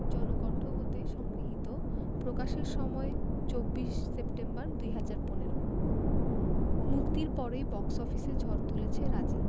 জনকণ্ঠ হতে সংগৃহীত প্রকাশের সময় ২৪ সেপ্টেম্বর ২০১৫ মুক্তির পরই বক্স অফিসে ঝড় তুলেছে রাজি